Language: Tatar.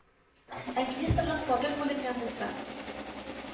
Ә министрлык, фатир бүленгән булса